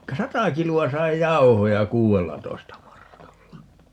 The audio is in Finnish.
sata kiloa sai jauhoja kuudellatoista markalla